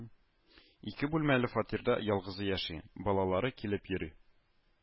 Ике бүлмәле фатирда ялгызы яши, балалары килеп йөри